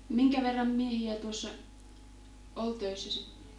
minkä verran miehiä tuossa oli töissä sitten